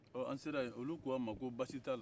an sera yen olu k'an ma ko baasi t'a la